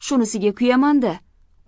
shunisiga kuyaman da